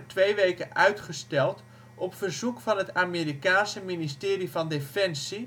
twee weken uitgesteld op verzoek van het Amerikaanse ministerie van defensie